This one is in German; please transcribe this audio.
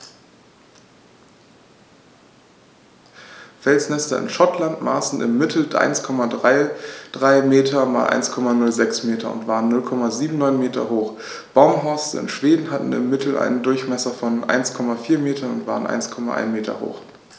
Felsnester in Schottland maßen im Mittel 1,33 m x 1,06 m und waren 0,79 m hoch, Baumhorste in Schweden hatten im Mittel einen Durchmesser von 1,4 m und waren 1,1 m hoch.